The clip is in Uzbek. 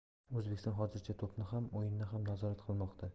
o'zbekiston hozircha to'pni ham o'yinni ham nazorat qilmoqda